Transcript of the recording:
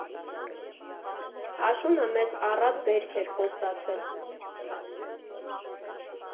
Աշունը մեզ առատ բերք էր խոստացել։